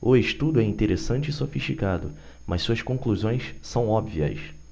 o estudo é interessante e sofisticado mas suas conclusões são óbvias